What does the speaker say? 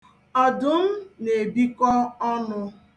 Ọdụm na-ebikọ ọnụ.